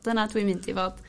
Dyna dwi'n mynd i fod.